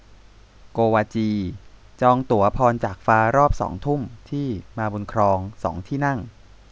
โกวาจีจองตั๋วพรจากฟ้ารอบสองทุ่มที่มาบุญครองสองที่นั่ง